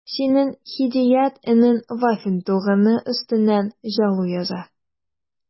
Синең Һидият энең Вафин туганы өстеннән жалу яза...